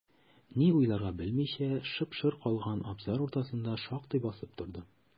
Ни уйларга белмичә, шып-шыр калган абзар уртасында шактый басып торды.